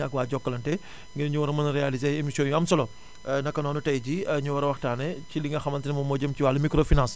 ak waa Jokalante ngir ñu war a mën a réalisé émissions yu am solo naka noonu tey jii ñu war a waxtaanee ci li nga xamante ne moom moo jëm ci wàllu microfinance